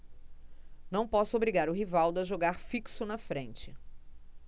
não posso obrigar o rivaldo a jogar fixo na frente